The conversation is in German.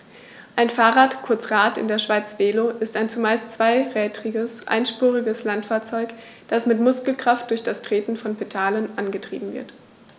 Ein Fahrrad, kurz Rad, in der Schweiz Velo, ist ein zumeist zweirädriges einspuriges Landfahrzeug, das mit Muskelkraft durch das Treten von Pedalen angetrieben wird.